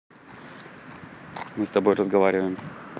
мы мы с тобой разговариваем